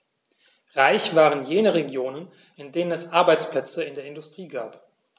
Reich waren jene Regionen, in denen es Arbeitsplätze in der Industrie gab.